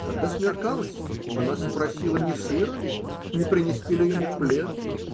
когда смеркалось, она спросила, не сыро ли, не принести ли ему плед.